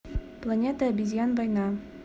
планета обезьян война